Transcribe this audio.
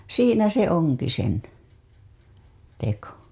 siinä se onkin sen teko